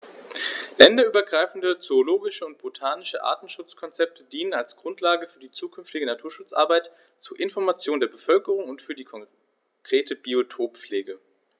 Länderübergreifende zoologische und botanische Artenschutzkonzepte dienen als Grundlage für die zukünftige Naturschutzarbeit, zur Information der Bevölkerung und für die konkrete Biotoppflege.